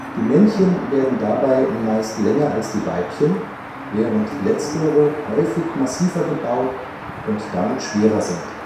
Die Männchen werden dabei meist länger als die Weibchen, während letztere häufig massiver gebaut und damit schwerer sind